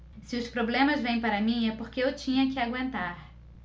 se os problemas vêm para mim é porque eu tinha que aguentar